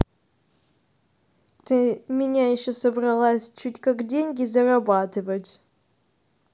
ты меня еще собралась чуть как деньги зарабатывать